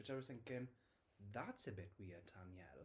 Which I was thinking "that's a bit wierd Tanyel."